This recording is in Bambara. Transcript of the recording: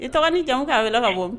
I tɔgɔ ni jamu kan a wele ka bɔ